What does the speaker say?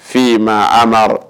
F ma an amadu